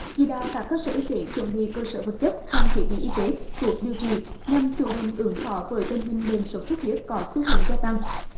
chỉ đạo các cơ sở y tế chuẩn bị cơ sở vật chất trang thiết bị y tế thuốc điều trị nhằm chủ động ứng phó với tình hình bệnh sốt xuất huyết có xu hướng gia tăng